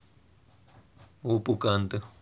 опу канты